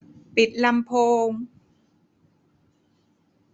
ปิดลำโพง